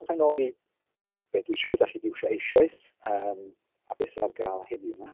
Os a i'n ôl i be dwi'n siŵr dach chi 'di iwsio eisoes yym, a be sydd ar gael heddiw 'ma.